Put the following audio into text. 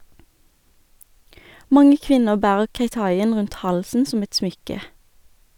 Mange kvinner bærer keitai-en rundt halsen som et smykke.